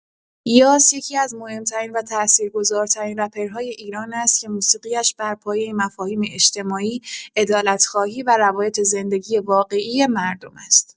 یاس یکی‌از مهم‌ترین و تأثیرگذارترین رپرهای ایران است که موسیقی‌اش بر پایه مفاهیم اجتماعی، عدالت‌خواهی و روایت زندگی واقعی مردم است.